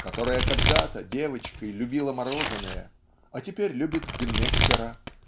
которая когда-то девочкой любила мороженое а теперь любит Гнеккера